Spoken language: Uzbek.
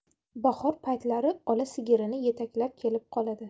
bahor paytlari ola sigirini yetaklab kelib qoladi